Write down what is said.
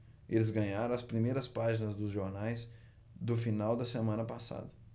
eles ganharam as primeiras páginas dos jornais do final da semana passada